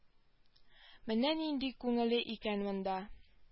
Менә нинди күңелле икән монда